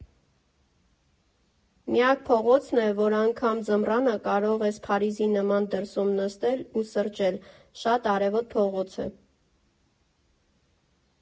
Միակ փողոցն է, որ անգամ ձմռանը կարող ես Փարիզի նման դրսում նստել ու սրճել, շատ արևոտ փողոց է։